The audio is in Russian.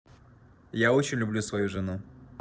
я очень люблю свою жену